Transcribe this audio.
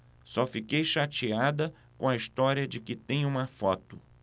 só fiquei chateada com a história de que tem uma foto